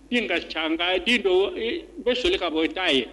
Den ka caa n ka i den doo i b bɛ soli ka bɔ i t'a ye